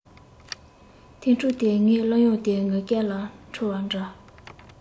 ཐན ཕྲུག དེས ངའི གླུ དབྱངས དེ ངུ སྐད ལ འཁྲུལ བ འདྲ